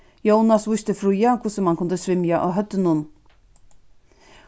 jónas vísti fríða hvussu mann kundi svimja á høvdinum